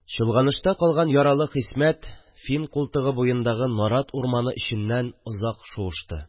Чолганышта калган яралы Хисмәт Фин култыгы буендагы нарат урманы эченнән озак шуышты